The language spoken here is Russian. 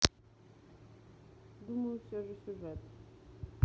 думаю все же сюжет